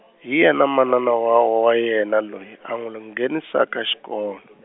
hi yena mana na wa wo yena loyi, a n'wi lo nghenisaka xikolo.